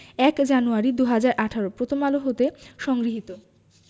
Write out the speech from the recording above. ০১ জানুয়ারি ২০১৮ প্রথম আলো হতে সংগৃহীত